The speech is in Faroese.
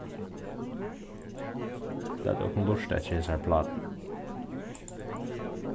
latið okkum lurta eftir hesari plátuni